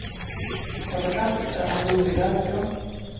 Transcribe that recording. tá tað frættist at hann dugir við radio